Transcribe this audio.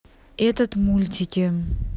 этот мультики